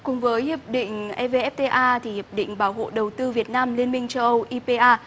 cùng với hiệp định e vê ép phê a thì hiệp định bảo hộ đầu tư việt nam liên minh châu âu i phê a